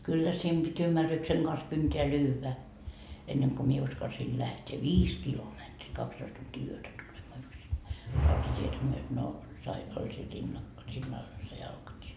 kyllä siinä piti ymmärryksen kanssa kynteen lyödä ennen kuin minä uskalsin lähteä viisi kilometriä kaksitoista tuntia yötä tulemaan yksinäni rautatietä myöten no sai oli siinä - rinnalla oli se jalkatie